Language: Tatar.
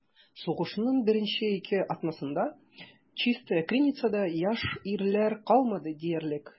Сугышның беренче ике атнасында Чистая Криницада яшь ирләр калмады диярлек.